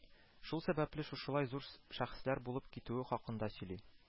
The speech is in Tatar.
Шул сәбәпле шушылай зур шәхесләр булып китүе хакында сөйли